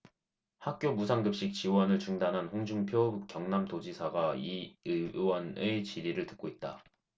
학교 무상급식 지원을 중단한 홍준표 경남도지사가 이 의원의 질의를 듣고 있다